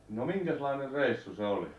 no minkäslainen reissu se oli